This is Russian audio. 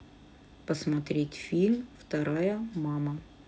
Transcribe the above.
посмотреть фильм вторая мама